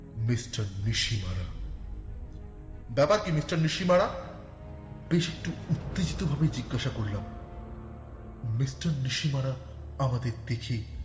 mister Nishimura ব্যাপার কি mister Nishimura বেশ একটু উত্তেজিত ভাবে জিজ্ঞাসা করলাম মিস্টার নিশিমারা আমাদের দেখেই